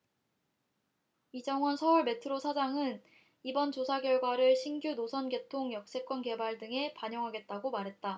이정원 서울메트로 사장은 이번 조사 결과를 신규노선 개통 역세권 개발 등에 반영하겠다고 말했다